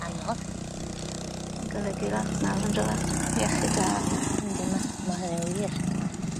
Anodd. Ma'n golygu lot nawr on'd yw e? Iechyd da. Yndi ma' ma' hynny'n wir.